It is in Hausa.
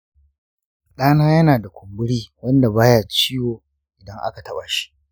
ɗana yana da kumburi wanda ba ya ciwo idan aka taɓa shi.